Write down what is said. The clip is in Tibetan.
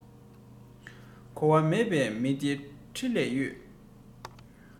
གོ བ མེད པའི མི དེ ཁྱི ལས ལོད